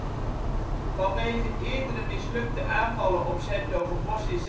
Vanwege eerdere mislukte aanvallen op ' s-Hertogenbosch in